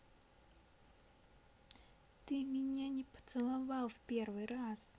ты меня не поцеловал в первый раз